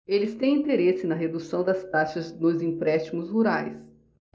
eles têm interesse na redução das taxas nos empréstimos rurais